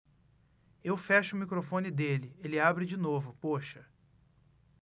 eu fecho o microfone dele ele abre de novo poxa